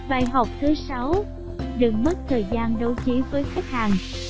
bài học thứ đừng mất thời gian đấu trí với khách hàng